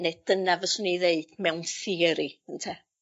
Ne' dyna fyswn i ddeud mewn theori ynte?